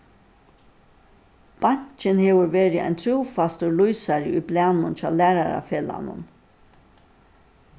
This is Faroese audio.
bankin hevur verið ein trúfastur lýsari í blaðnum hjá lærarafelagnum